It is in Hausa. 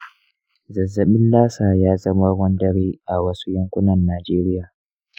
zazzafin lassa ya zama ruwan dare a wasu yankunan nijeriya.